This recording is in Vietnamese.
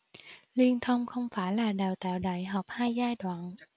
liên thông không phải là đào tạo đại học hai giai đoạn